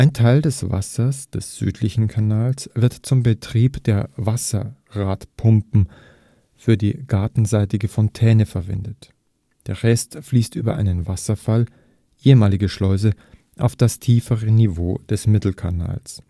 Teil des Wassers des südlichen Kanals wird zum Betrieb der Wasserradpumpen für die gartenseitige Fontäne verwendet, der Rest fließt über einen Wasserfall (ehemalige Schleuse) auf das tiefere Niveau des Mittelkanals